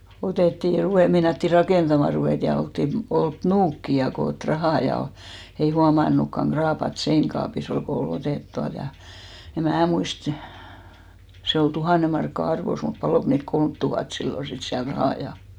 otettiin - meinattiin rakentamaan ruveta ja oltiin oltu nuukia ja koottu rahaa ja ei huomannutkaan kraapata seinäkaapissa oli kun oli otettu tuolta ja en minä muista se oli tuhannen markkaa arvossa mutta paloiko niiltä kolme tuhatta silloin sitten siellä rahaa ja